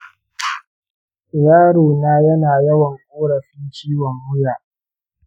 yarona yana yawan ƙorafin ciwon wuya.